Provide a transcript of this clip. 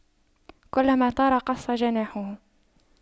كلما طار قص جناحه